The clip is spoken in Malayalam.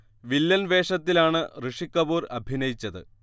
വില്ലൻ വേഷത്തിലാണ് ഋഷി കപൂർ അഭിനയിച്ചത്